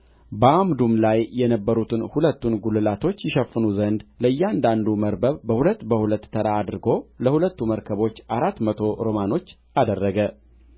በአዕማዱም ላይ የነበሩትን ሁለቱን ጕልላቶች ይሸፍኑ ዘንድ ለእያንዳንዱ መርበብ በሁለት በሁለት ተራ አድርጎ ለሁለቱ መርበቦች አራት መቶ ሮማኖች አደረገ